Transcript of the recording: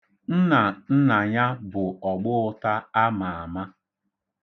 Nna nna ya bụ ọgbụụta a ma ama.